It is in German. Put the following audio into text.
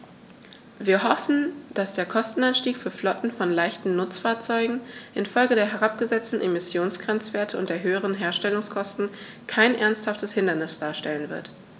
Wir hoffen, dass der Kostenanstieg für Flotten von leichten Nutzfahrzeugen in Folge der herabgesetzten Emissionsgrenzwerte und der höheren Herstellungskosten kein ernsthaftes Hindernis darstellen wird.